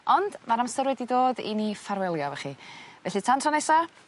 Ond ma'r amser wedi dod i ni ffarwelio efo chi felly tan tro nesa